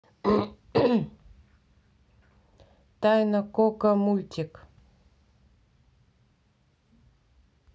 тайна коко мультик